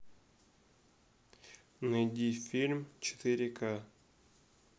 найди фильм четыре ка